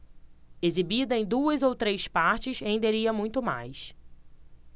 exibida em duas ou três partes renderia muito mais